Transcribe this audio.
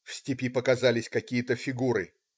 В степи показались какие-то фигуры.